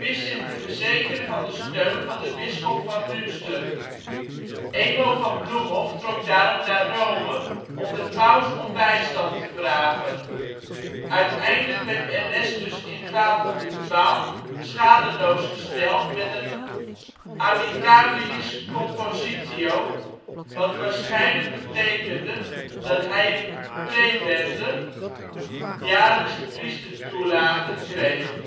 zich te verzekeren van de steun van de bisschop van Münster. Emo van Bloemhof trok daarop naar Rome om de paus om bijstand te vragen. Uiteindelijk werd Ernestus in 1212 schadeloos gesteld met een amicabilis compositio, wat waarschijnlijk betekende dat hij een prebende (jaarlijkse priestertoelage) kreeg